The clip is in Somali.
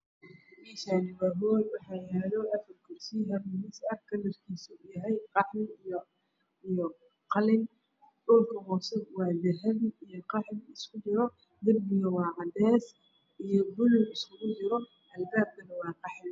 Meeshaan waa hool waxaa yaalo afar kursi iyo afar miis. Kalarkiisu waa qaxwi iyo qalin. Dhulkana waa dahabi iyo qaxwi isku jiro. Darbiga waa cadeys iyo buluug isku jiro albaabkuna waa qaxwi.